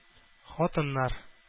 Хатыннар